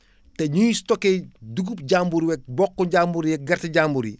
te ñuy stocké dugub jàmbur week mboqu jàmbur yeeg gerte jàmbur yi